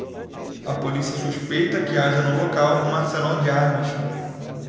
a polícia suspeita que haja no local um arsenal de armas